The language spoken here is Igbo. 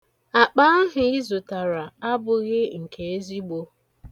Akpa ahụ ị zụtara abụghị nke ezigbo.